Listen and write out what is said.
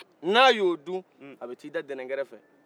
kulibali marahaba